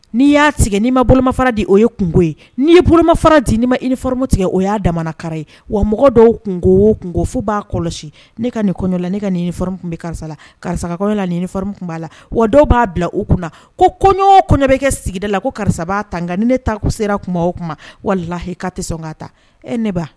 N'i y'a tigɛ n'i ma boloma fara de o ye kunko ye ni'i ye boloma fara di' ma i nifamu tigɛ o y'a dakara ye wa mɔgɔ dɔw kun kun fo b'a kɔlɔsi ne ka nin la ne ka nin bɛ karisa la karisakɔ la nirinmu b'a la wa dɔw b'a bila u kunna ko ko ne bɛ kɛ sigida la ko karisa'a tanga ni ne taa ko sera o wala h ka tɛ sɔn ka taa ne